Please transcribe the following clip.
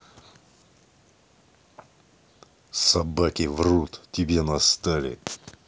собаки врут тебе настали